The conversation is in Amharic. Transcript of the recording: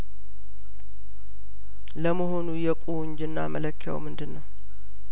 ለመሆኑ የቁንጅና መለኪያውምንድነው